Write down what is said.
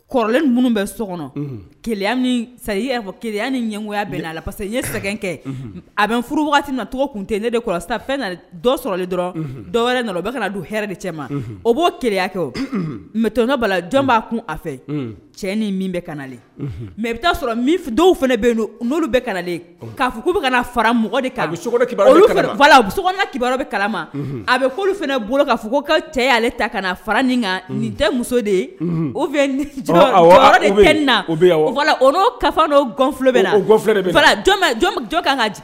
Bɛ nigoya sɛgɛn a bɛ furu ten ne o ke mɛ b'a kun fɛ cɛ ni min bɛle mɛ i bɛ taa sɔrɔ dɔw fana bɛ don n bɛɛle'a fɔ fara kiba so kiba bɛ kalama a bɛ fana bolo ka fɔ ko ka cɛ ale ta ka fara nin kan nin tɛ muso de u fɛ na o kaɔn bɛ jɔn ka